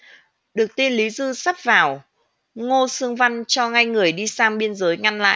được tin lý dư sắp vào ngô xương văn cho ngay người đi sang biên giới ngăn lại